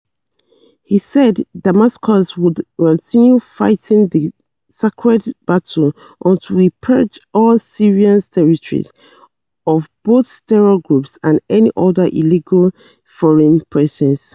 He said Damascus would continue "fighting this sacred battle until we purge all Syrian territories" of both terror groups and "any illegal foreign presence."